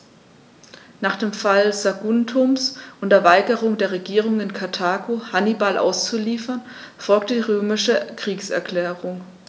Nach dem Fall Saguntums und der Weigerung der Regierung in Karthago, Hannibal auszuliefern, folgte die römische Kriegserklärung.